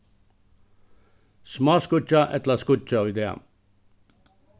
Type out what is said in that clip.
smáskýggjað ella skýggjað í dag